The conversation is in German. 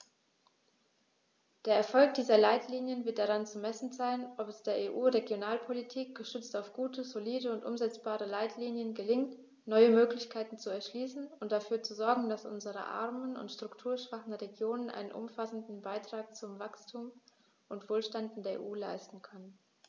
Der Erfolg dieser Leitlinien wird daran zu messen sein, ob es der EU-Regionalpolitik, gestützt auf gute, solide und umsetzbare Leitlinien, gelingt, neue Möglichkeiten zu erschließen und dafür zu sorgen, dass unsere armen und strukturschwachen Regionen einen umfassenden Beitrag zu Wachstum und Wohlstand in der EU leisten können.